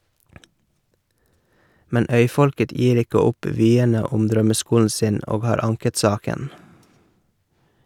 Men øyfolket gir ikke opp vyene om drømmeskolen sin, og har anket saken.